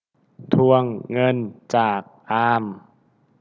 ทวงเงินจากอาม